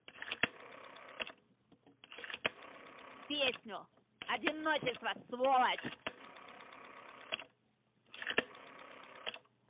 песню одиночество сволочь